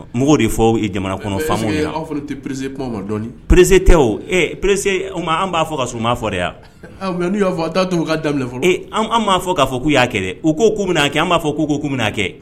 N bɛ k'o de fɔ jamana kɔnɔ faamaw ma; mais, est ce que aw fana tɛ presser kuma ma dɔɔnni; pressé tɛ o, ɛ pressé o tuma an b'a fɔ ka sɔrɔ u m'a fɔ de wa; aa mais n'u y'a fɔ ,a t'a to o k'a daminɛ fɔlɔ; e an b'a fɔ k'a fɔ k'u y'a kɛ dɛ;u ko k'u bɛna kɛ, an b'a fɔ ko k'u bɛna kɛ.